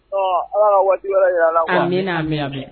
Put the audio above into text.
Ɔ waati min n'a mɛn mɛn